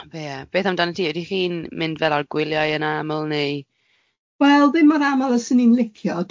Ie, beth amdano ti? Ydych chi'n mynd fel ar gwyliau yn aml neu? Wel, ddim mor aml a swn i'n licio.